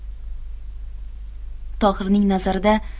tohirning nazarida